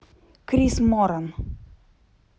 крис моран